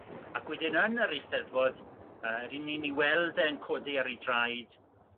ac wedyn yn yr Eisteddfod yy ryn ni'n ei weld e'n codi ar ei draed